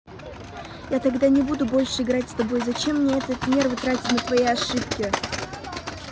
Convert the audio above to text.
я тогда не буду больше играть с тобой зачем мне этот нервы тратить на твои ошибки